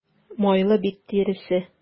Майлы бит тиресе.